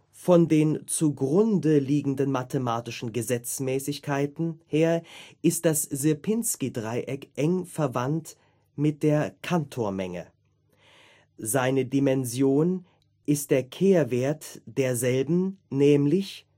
Von den zugrundeliegenden mathematischen Gesetzmäßigkeiten her ist das Sierpinski-Dreieck eng verwandt mit der Cantor-Menge. Seine Dimension ist der Kehrwert derselben, nämlich